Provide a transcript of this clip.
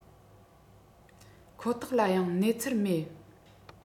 ཁོ ཐག ལ ཡང གནས ཚུལ མེད